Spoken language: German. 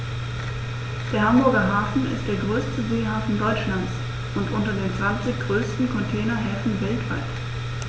Der Hamburger Hafen ist der größte Seehafen Deutschlands und unter den zwanzig größten Containerhäfen weltweit.